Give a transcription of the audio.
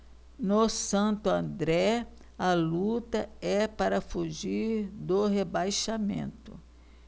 no santo andré a luta é para fugir do rebaixamento